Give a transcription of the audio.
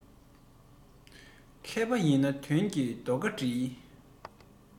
མཁས པ ཡིན ན དོན གྱི རྡོ ཁ སྒྲིལ